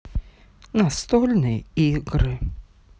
настольные игры